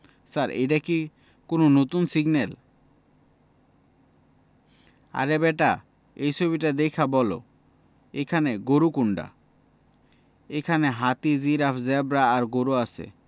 ছার এইডা কি কুনো নতুন সিগনেল আরে ব্যাটা এই ছবিটা দেইখা বলো এইখানে গরু কোনডা এইখানে হাতি জিরাফ জেব্রা আর গরু আছে